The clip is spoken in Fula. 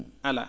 alaa